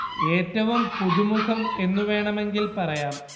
എറ്റവും പുതുമുഖം എന്നു വേണമെങ്കില്‍ പറയാം